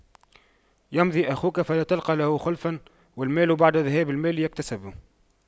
يمضي أخوك فلا تلقى له خلفا والمال بعد ذهاب المال يكتسب